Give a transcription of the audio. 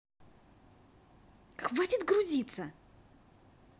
хватит грузится